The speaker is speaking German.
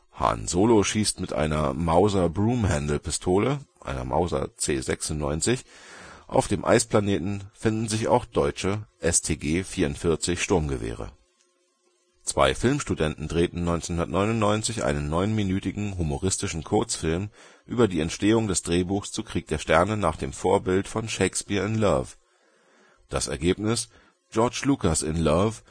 Han Solo schießt mit einer Mauser-Broomhandle-Pistole (Mauser C96), auf dem Eisplaneten finden sich auch deutsche StG-44-Sturmgewehre. Zwei Filmstudenten drehten 1999 einen neunminütigen humoristischen Kurzfilm über die Entstehung des Drehbuchs zu Krieg der Sterne nach dem Vorbild von Shakespeare in love: das Ergebnis, George Lucas in Love